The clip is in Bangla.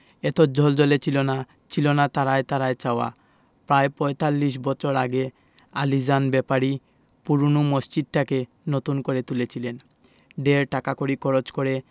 এত জ্বলজ্বলে ছিল না ছিলনা তারায় তারায় ছাওয়া প্রায় পঁয়তাল্লিশ বছর আগে আলীজান ব্যাপারী পূরোনো মসজিদটাকে নতুন করে তুলেছিলেন ঢের টাকাকড়ি খরচ করে